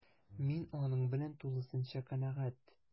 Мин аның белән тулысынча канәгать: